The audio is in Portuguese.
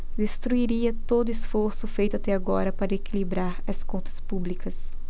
destruiria todo esforço feito até agora para equilibrar as contas públicas